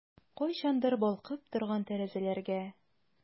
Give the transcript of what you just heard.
Кайчандыр балкып торган тәрәзәләргә...